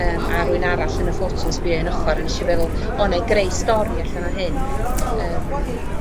yym a rywun arall yn y ffoto'n sbïo i un ochor a nesh i feddwl o nâi greu stori allan o hyn. Yym.